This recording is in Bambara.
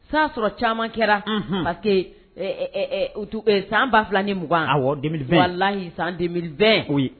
San sɔrɔ caman kɛra parce que san ba fila niugan a walanyi sanbɛn koyi